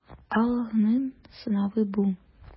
Аллаһның сынавы бу.